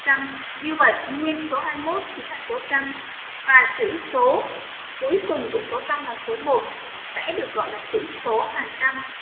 như vậy nguyên số chính là số chẵn và chữ số cuối cùng của số trang số vẽ được gọi là chữ số hàng trăm